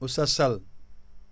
oustaz Sall